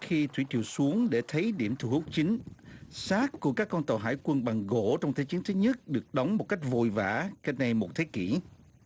khi thủy triều xuống để thấy điểm thu hút chính xác của các con tàu hải quân bằng gỗ trong thế chiến thứ nhất được đóng một cách vội vã cách đây một thế kỷ